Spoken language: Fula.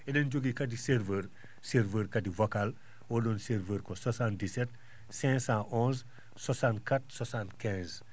e?en jogii kadi serveur serveur kadi vocal o?on serveur ko 77 511 64 75